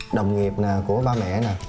đồng nghiệp nè của ba mẹ nè